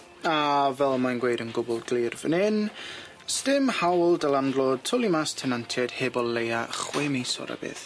A, fel mae'n gweud yn gwbwl glir fyn yn, sdim hawl da landlod twli mas tenantiaid heb o leia chwe mis o'r rybydd.